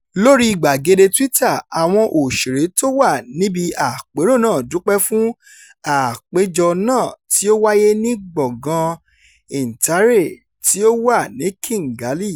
Lóríi gbàgede Twitter, àwọn òṣèré tó wà níbi àpérò náà dúpẹ́ fún àpéjọ náà tí ó wáyé ní gbọ̀ngan Intare tí ó wà ní Kigali: